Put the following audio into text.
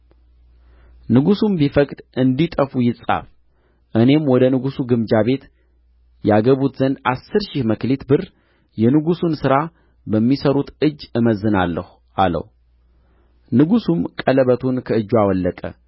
ንጉሡም ቢፈቅድ እንዲጠፉ ይጻፍ እኔም ወደ ንጉሡ ግምጃ ቤት ያገቡት ዘንድ አሥር ሺህ መክሊት ብር የንጉሡን ሥራ በሚሠሩት እጅ እመዝናለሁ አለው ንጉሡም ቀለበቱን ከእጁ አወለቀ